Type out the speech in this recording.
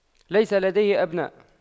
ليس لديه أبناء